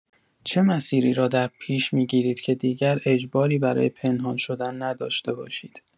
چه مسیری را درپیش می‌گیرید که دیگر اجباری برای پنهان شدن نداشته باشید؟